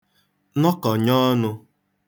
nọkọ̀nyọ ọnụ̄